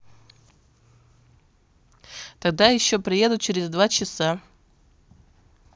тогда еще приеду через два часа